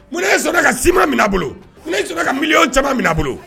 Ko ne ye sɔnna ka sima min bolo ne sɔnna ka miliɔn caman min bolo